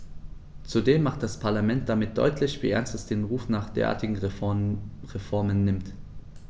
Zudem macht das Parlament damit deutlich, wie ernst es den Ruf nach derartigen Reformen nimmt.